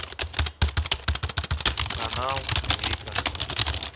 канал рика